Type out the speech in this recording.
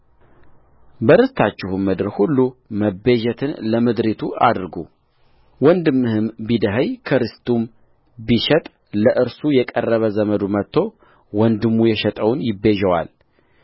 በርስታችሁም ምድር ሁሉ መቤዠትን ለምድሪቱ አድርጉወንድምህም ቢደኸይ ከርስቱም ቢሸጥ ለእርሱ የቀረበ ዘመዱ መጥቶ ወንድሙ የሸጠውን ይቤዠዋል